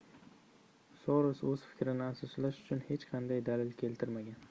soros o'z fikrini asoslash uchun hech qanday dalil keltirmagan